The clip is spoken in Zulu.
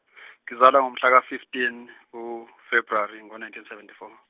ngizwala ngomhla fifteen ku- February ngo- nineteen seventy four.